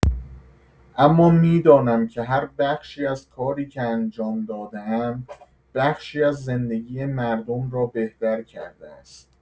اما می‌دانم که هر بخشی از کاری که انجام داده‌ام بخشی از زندگی مردم را بهتر کرده است.